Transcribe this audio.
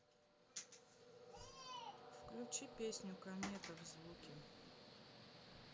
включи песню комета в звуке